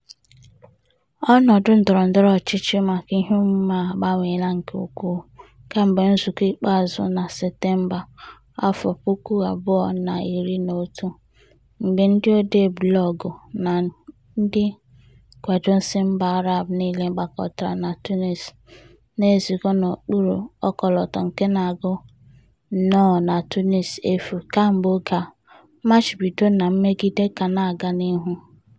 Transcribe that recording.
Ọnọdụ ndọrọndọrọ ọchịchị maka iheomume a agbanweela nke ukwuu kemgbe nzukọ ikpeazụ na Septemba 2011, mgbe ndị odee blọọgụ na ndị nkwado si mba Arab niile gbakọtara na Tunis, na-ezukọ n'okpuru ọkọlọtọ nke na-agụ: "Nnọọ na Tunis Efu." Kemgbe oge a, mmachibido na mmegide ka na-aga n'ihu.